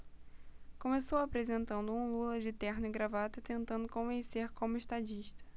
começou apresentando um lula de terno e gravata tentando convencer como estadista